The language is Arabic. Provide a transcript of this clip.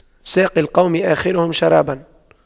ساقي القوم آخرهم شراباً